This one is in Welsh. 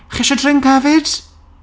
Chi eisiau drink hefyd?